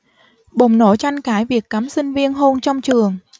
bùng nổ tranh cãi việc cấm sinh viên hôn trong trường